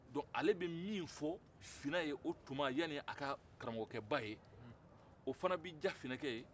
bon ale bɛ min fɔ finɛ ye o tuma sanni a ka karamɔgɔkɛba ye o fɛnɛ bɛ diya finɛkɛ ye